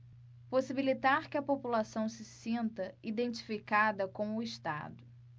possibilitar que a população se sinta identificada com o estado